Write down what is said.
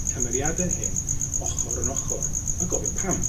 y cymeriade hyn ochor yn ochor, a gofyn pam?